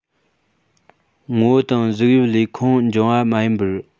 ངོ བོ དང གཟུགས དབྱིབས ལས ཁོངས འབྱུང བ མ ཡིན པར